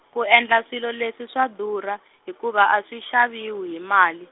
ku endla swilo leswi swa durha, hikuva a swi xaviwi hi mali.